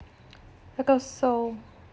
pocoyo